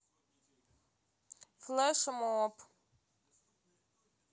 флешмоб